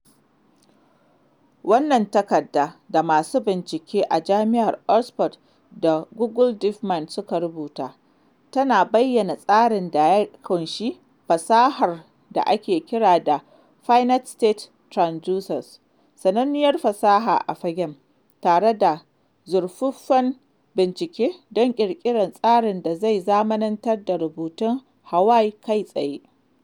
Wannan takarda, da masu bincike a Jami’ar Oxford da Google Deep Mind suka rubuta, tana bayyana tsarin da ya ƙunshi fasahar da ake kira da “finite state transducers,” sananniyar fasaha a fagen, tare da zuzzurfan bincike don ƙirƙirar tsarin da zai zamanantar da rubutun Hawaiian kai tsaye.